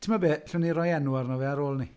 Timod be? Allwn ni roi enw arno fe ar ôl 'ny.